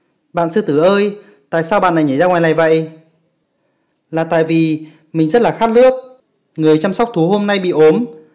bạn sư tử ơi tại sao bạn lại nhảy ra ngoài này vậy là tại vì mình rất là khát nước người chăm sóc thú hôm nay bị ốm